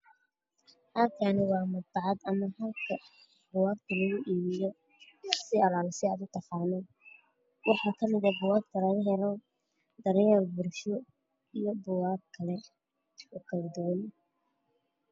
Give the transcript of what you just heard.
Halkaani waa madbacad ama Halka buugaagta lagu iibiyo sii'ala sida aad u taqaano, waxa ka mid ah buugaagta raadinayno daryeer bulsho iyo buugaag kale oo kala duwan.